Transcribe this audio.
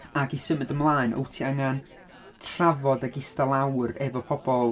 Ac i symud ymlaen, wyt ti angen trafod ac ista lawr efo pobl?